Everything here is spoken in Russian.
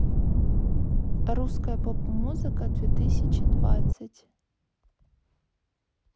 русская поп музыка две тысячи двадцать